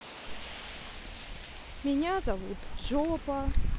меня зовут джопа